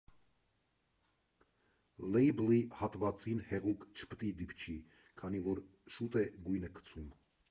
Լեյբլի հատվածին հեղուկ չպիտի դիպչի, քանի որ շուտ է գույնը գցում։